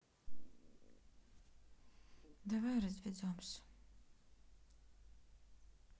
давай разведемся